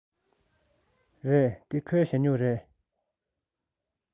རེད འདི ཁོའི ཞ སྨྱུག རེད